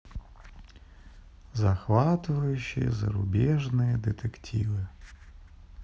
захватывающие зарубежные детективы